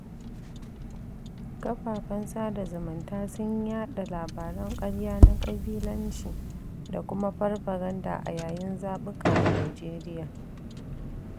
Kafafen sada zumunta sun yaɗa labaran ƙarya na ƙabilanci da kuma farfaganda a yayin zaɓuka a Nijeriya.